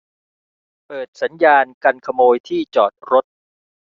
เปิดสัญญาณกันขโมยที่จอดรถ